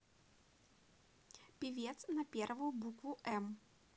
певец на первую букву м